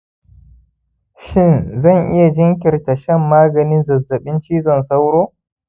shin zan iya jinkirta shan maganin zazzaɓin cizon sauro